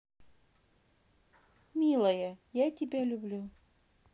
милая я тебя люблю